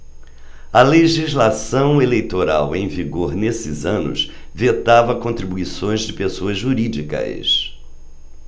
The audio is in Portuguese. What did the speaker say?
a legislação eleitoral em vigor nesses anos vetava contribuições de pessoas jurídicas